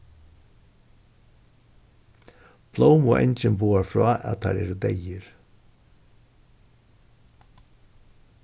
blómuangin boðar frá at teir eru deyðir